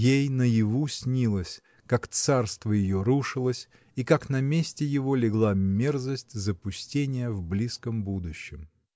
Ей наяву снилось, как царство ее рушилось и как на месте его легла мерзость запустения в близком будущем.